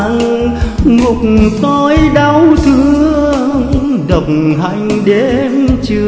ngục tối đau thương độc hành đêm trường